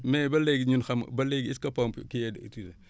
mais ba léegi ñun xamu ba léegi est ce que pomp kii est utile